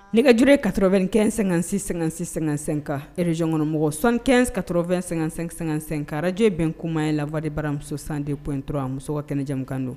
Nɛgɛje karɔ2 kɛ--sɛ-sɛsɛ kan rezsonɔnkɔnɔmɔgɔ 1 kɛnka2--sɛ-karaj bɛn kuma ye lafa baramuso san de p in dɔrɔn musow ka kɛnɛja kan don